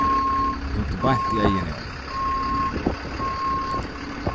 eg hugdi beint í eyguni á honum